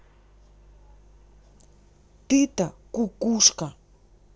ты то кукушка